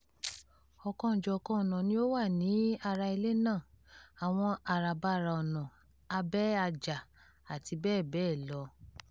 Ọ̀kanòjọ̀kan ọnà ni ó wà ní ara ilé náà — àwọn àràbarà ọnà abẹ́ àjà àti bẹ́ẹ̀ bẹ́ẹ̀ lọ.